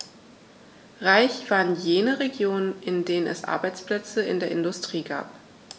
Reich waren jene Regionen, in denen es Arbeitsplätze in der Industrie gab.